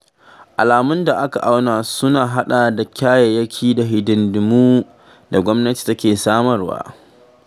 Alamun da aka auna suna haɗa da kayayyaki da hidindimu da gwamnati take samarwa.